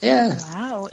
Ie. Waw.